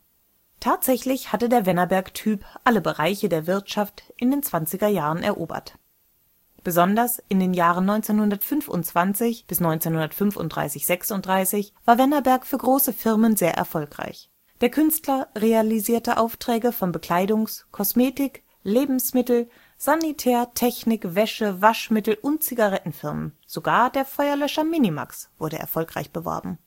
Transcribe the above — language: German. Tatsächlich hatte der „ Wennerberg-Typ “alle Bereiche der Wirtschaft in den zwanziger Jahren erobert. Besonders in den Jahren 1925 bis 1935 / 36 war Wennerberg für große Firmen sehr erfolgreich. Der Künstler realisierte Aufträge von Bekleidungs -, Kosmetik -, Lebensmittel -, Sanitär -, Technik -, Wäsche -, Waschmittel - und Zigarettenfirmen; sogar der Feuerlöscher „ Minimax “wurde erfolgreich beworben